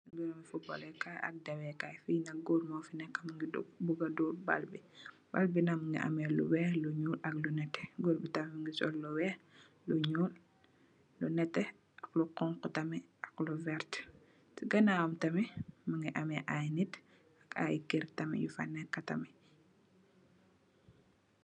Li football kai ak dawe kai Fi nak goor mogi neka mongi buga door baal bi baal bi nak mogi ame lu weex lu nuul ak lu netex goor bi tam mongi sol lu weex lu nuul lu netex ak lu xonxa tamit ak lu vertax si ganawam tamit mogi ame ay nitt ay keur tamit yu fa neka tamit.